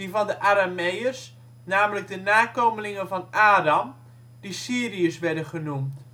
van) de Arameeërs, namelijk de nakomelingen van Aram, die Syriërs werden genoemd